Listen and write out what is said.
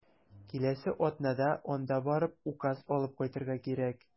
Киләсе атнада анда барып, указ алып кайтырга кирәк.